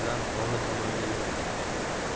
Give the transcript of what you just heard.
bilan hovli tomonga yurib ketdi